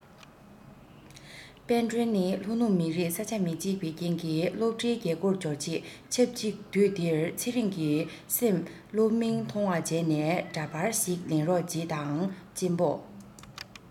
དཔལ སྒྲོན ནི ལྷོ ནུབ མི རིགས ས ཆ མི གཅིག པའི རྐྱེན གྱི སློབ གྲྭའི རྒྱལ སྒོར འབྱོར རྗེས ཆབ གཅིག དུས དེར ཚེ རིང གི སེམས སློབ མིང མཐོང བ བྱས ནས འདྲ པར ཞིག ལེན རོགས བྱེད དང གཅེན པོ